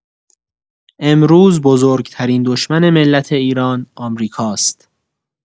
امروز بزرگ‌ترین دشمن ملت ایران، آمریکاست.